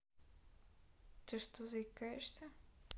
ты что заикаешься